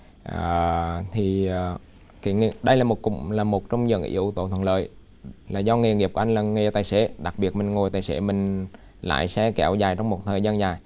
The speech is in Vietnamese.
ờ thì cái nghề đây là một cũng là một trong những yếu tố thuận lợi là do nghề nghiệp của anh là nghề tài xế đặc biệt mình ngồi tài xế mình lái xe kéo dài trong một thời gian dài